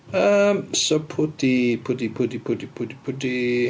Yym so pwdi, pwdi, pwdi, pwdi, pwdi, pwdi...